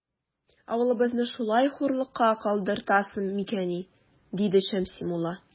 Авылыбызны шулай хурлыкка калдыртасың микәнни? - диде Шәмси мулла.